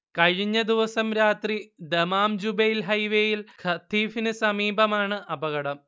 കഴിഞ്ഞദിവസം രാത്രി ദമാംജുബൈൽ ഹൈവേയിൽ ഖതീഫിന് സമീപമാണ് അപകടം